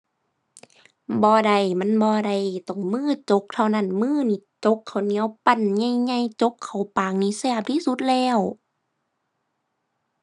บ่ได้ มันบ่ได้ ต้องมือจกเท่านั้น มือนี่จกข้าวเหนียวปั้นใหญ่ใหญ่ จกเข้าปากนี่แซ่บที่สุดแล้ว